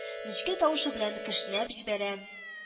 Нечкә тавышы белән кешнәп җибәрә